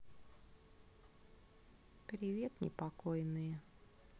привет непокойные